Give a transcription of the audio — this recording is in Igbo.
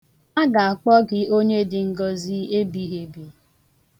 A ga-akpọ gị onye dị ngọzi ebegheebi.